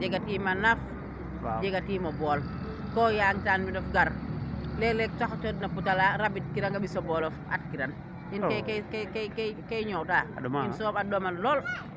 yela bar jega tiima naf jega tiim o bool ko yaang a ta mbinof gar leeg leeg sax o coox na puta laa rabid kirang a ɓiso boolof at kirang in ke i ñoowta a ɗoma lool